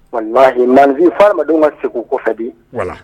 Walayi Lasi hadamadenw ka segu ko ka di. voilà